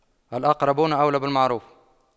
الأقربون أولى بالمعروف